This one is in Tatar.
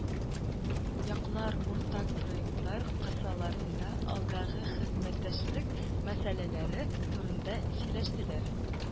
Яклар уртак проектлар кысаларында алдагы хезмәттәшлек мәсьәләләре турында сөйләштеләр.